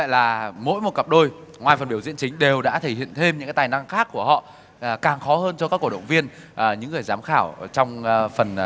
vậy là mỗi một cặp đôi ngoài phần biểu diễn chính đều đã thể hiện thêm những tài năng khác của họ và càng khó hơn cho các cổ động viên ở những người giám khảo trong phần